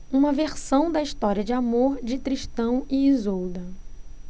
uma versão da história de amor de tristão e isolda